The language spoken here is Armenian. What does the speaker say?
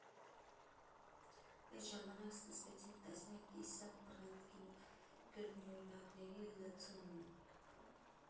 Էդ ժամանակ սկսվեցին տասնյակ կիսատ֊պռատ կրկնօրինակների լցոնումը։